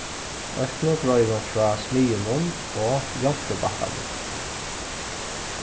eitt nú greiðir hon frá smiðjunum og jomfrúbakkanum